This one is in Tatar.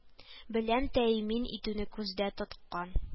Белән тәэмин итүне күздә тоткан